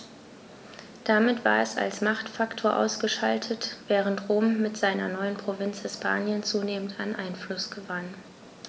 Damit war es als Machtfaktor ausgeschaltet, während Rom mit seiner neuen Provinz Hispanien zunehmend an Einfluss gewann.